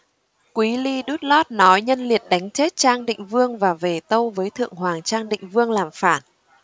quý ly đút lót nói nhân liệt đánh chết trang định vương và về tâu với thượng hoàng trang định vương làm phản